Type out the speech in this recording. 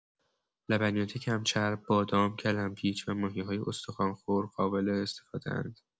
لبنیات کم‌چرب، بادام، کلم‌پیچ و ماهی‌های استخوان‌خور قابل استفاده‌اند.